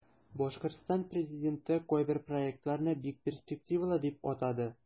Башкортстан президенты кайбер проектларны бик перспективалы дип атады.